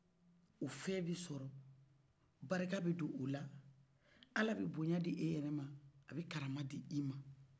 u fɛn bɛ sɔrɔ baraka bɛ d'ola ala bɛ boɲan d'i yɛrɛ ma a b'i karama d'ima